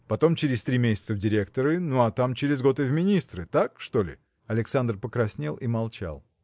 – потом через три месяца в директоры ну а там через год и в министры так, что ли? Александр покраснел и молчал.